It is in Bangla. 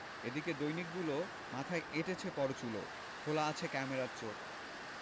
এদিকে দৈনিকগুলো মাথায় এঁটেছে পরচুলো খোলা আছে ক্যামেরার চোখ